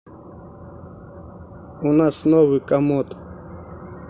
у нас новый комод